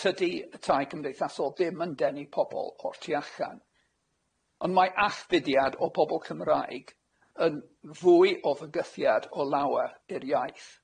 Tydi y tai cymdeithasol ddim yn denu pobol o'r tu allan. Ond mae allfudiad o bobol Cymraeg yn fwy o fygythiad o lawer i'r iaith.